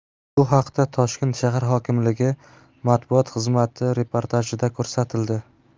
bu haqda toshkent shahar hokimligi matbuot xizmati reportajida ko'rsatildi